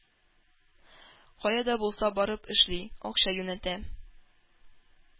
Кая да булса барып эшли, акча юнәтә.